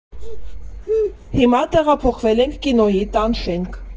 Հիմա տեղափոխվել ենք կինոյի տան շենք։